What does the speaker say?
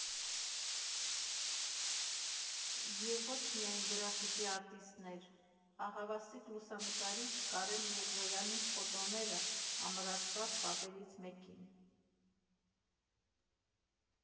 Եվ ոչ միայն գրաֆիտի արտիստներ, ահավասիկ՝ լուսանկարիչ Կարեն Միրզոյանի ֆոտոները՝ ամրացված պատերից մեկին։